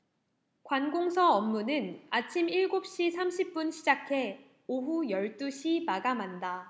관공서 업무는 아침 일곱 시 삼십 분 시작해 오후 열 두 시 마감한다